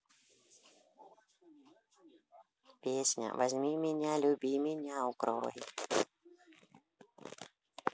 песня возьми меня люби меня укрой